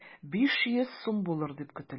500 сум булыр дип көтелә.